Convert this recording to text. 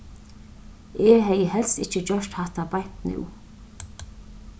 eg hevði helst ikki gjørt hatta beint nú